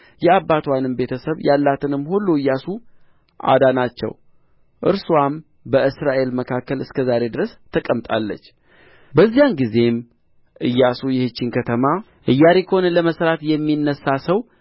የአባትዋንም ቤተ ሰብ ያላትንም ሁሉ ኢያሱ አዳናቸው እርስዋም በእስራኤል መካከል እስከ ዛሬ ድረስ ተቀምጣለች በዚያን ጊዜም ኢያሱ ይህችን ከተማ ኢያሪኮን ለመሥራት የሚነሣ ሰው